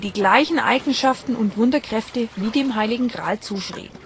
gleichen Eigenschaften und Wunderkräfte wie dem Heiligen Gral zuschrieben